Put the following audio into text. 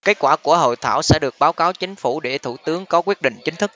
kết quả của hội thảo sẽ được báo cáo chính phủ để thủ tướng có quyết định chính thức